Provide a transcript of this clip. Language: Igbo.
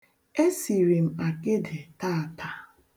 E siri m akịdị taata.